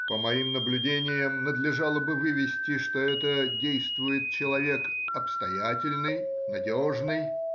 По моим наблюдениям, надлежало бы вывести, что это действует человек обстоятельный, надежный